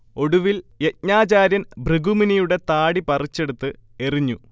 ഒടുവിൽ യജ്ഞാചാര്യൻ ഭൃഗുമുനിയുടെ താടി പറിച്ചെടുത്ത് എറിഞ്ഞു